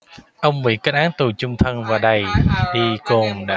ông bị kết án tù chung thân và đày đi côn đảo